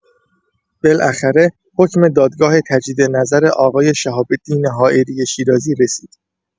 بالاخره حکم دادگاه تجدید نظر آقای شهاب‌الدین حائری شیرازی رسید.